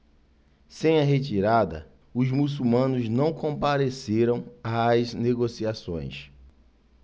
sem a retirada os muçulmanos não compareceram às negociações